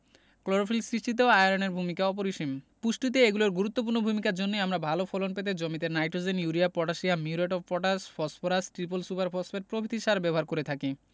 chlorophyll সিষ্টিতেও আয়রনের ভূমিকা অপরিসীম পুষ্টিতে এগুলোর গুরুত্বপূর্ণ ভূমিকার জন্যই আমরা ভালো ফলন পেতে জমিতে nitrogen urea potassium muriate of potash phosphorus triple super phosphate প্রভিতি সার ব্যবহার করে থাকি